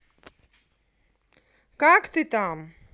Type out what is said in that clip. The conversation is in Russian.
как ты там